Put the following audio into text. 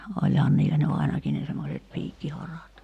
olihan niillä nyt ainakin ne semmoiset piikkiharat